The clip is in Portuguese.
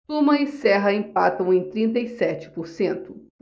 tuma e serra empatam em trinta e sete por cento